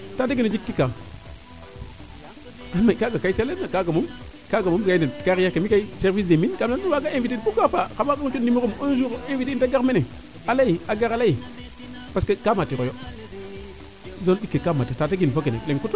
Tataguine o jik tikaa mais kaga koy a leera kaaga moom carriere ke mi kay service des mines kam ley uye nu mbaag a inviter xam mos ngo coox numero um un jour te gar mene a ley a gar a ley parce que kaa matiroyo Zone ɗike kaa matir Tataguine fo kene leŋ kutoo